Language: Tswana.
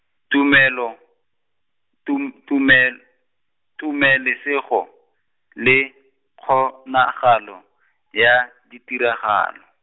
tumelo, tum- tumel-, Tumelesego, le kgonagalo, ya ditiragalo.